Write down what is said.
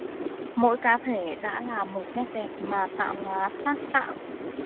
mỗi cá thể đã là một nét đẹp mà tạo hóa tác tạo